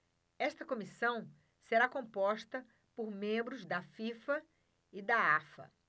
essa comissão será composta por membros da fifa e da afa